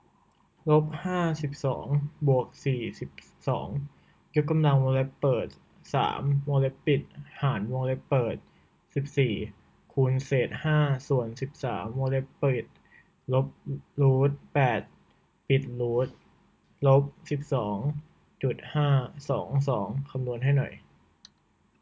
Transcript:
ลบห้าสิบสองบวกสี่สิบสองยกกำลังวงเล็บเปิดสามวงเล็บปิดหารวงเล็บเปิดสิบสี่คูณเศษห้าส่วนสิบสามวงเล็บปิดลบรูทแปดปิดรูทลบสิบสองจุดห้าสองสองคำนวณให้หน่อย